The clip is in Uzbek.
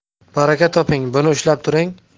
baraka toping buni ushlab turing